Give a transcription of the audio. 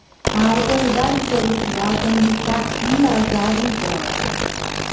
a autoridade policial tem de estar embasada em provas